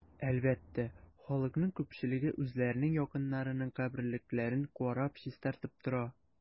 Әлбәттә, халыкның күпчелеге үзләренең якыннарының каберлекләрен карап, чистартып тора.